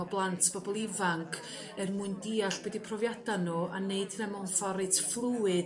o blant bobol ifanc er mwyn diall be 'di profiada' n'w a neud hyna mewn ffor' reit fluid